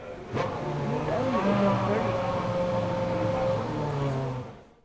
nú er evnið útvarp føroya